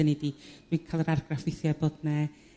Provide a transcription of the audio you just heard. Hynny ydi dwi'n ca'l yr argraff w'ithie bod 'ne